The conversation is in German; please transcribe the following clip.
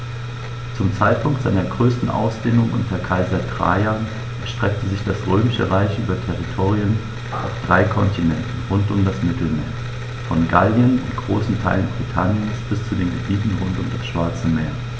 Zum Zeitpunkt seiner größten Ausdehnung unter Kaiser Trajan erstreckte sich das Römische Reich über Territorien auf drei Kontinenten rund um das Mittelmeer: Von Gallien und großen Teilen Britanniens bis zu den Gebieten rund um das Schwarze Meer.